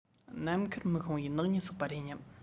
ནམ མཁར མི ཤོང བའི ནག ཉེས བསགས པ རེད སྙམ